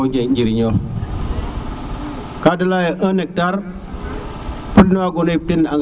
bo i njëriñoy ka de leya ye 1hectar pod ne wago na yip teen engrais